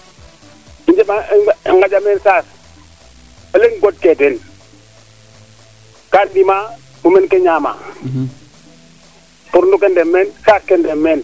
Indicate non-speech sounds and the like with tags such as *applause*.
i ngaƴa meen saas o leŋ god kee teen kaan *unintelligible* mumeen ke ñaamaa *unintelligible* saas ke ndef meen